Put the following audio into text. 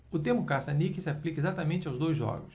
o termo caça-níqueis se aplica exatamente aos dois jogos